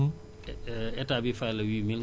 donc bu dee nag buy jar deux cent mille